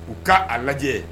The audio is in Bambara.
U ka a lajɛ